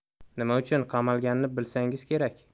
nima uchun qamalganini bilsangiz kerak